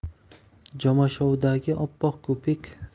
jomashovdagi oppoq ko'pik